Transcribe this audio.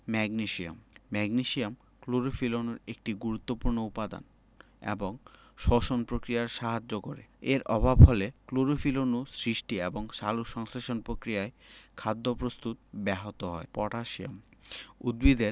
magnesium magnesium chlorophyll অণুর একটি গুরুত্বপুর্ণ উপাদান এবং শ্বসন প্রক্রিয়ায় সাহায্য করে এর অভাব হলে ক্লোরোফিল অণু সৃষ্টি এবং সালোকসংশ্লেষণ প্রক্রিয়ায় খাদ্য প্রস্তুত ব্যাহত হবে পটাশিয়াম উদ্ভিদের